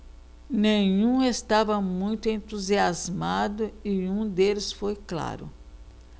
nenhum estava muito entusiasmado e um deles foi claro